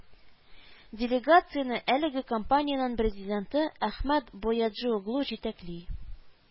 Делегацияне әлеге компаниянең президенты Әхмәт Бояджиоглу җитәкли